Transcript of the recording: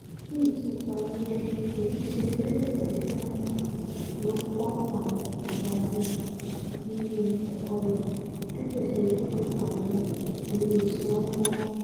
Lee tun so wí pé ''Kì í ṣe orílẹ̀-èdè Ṣáínà ló ńkó àwọn adarí nínú ẹ̀kọ́ lọ; bíkoṣe wí pé àwọn ilé iṣẹ́ ńlá''.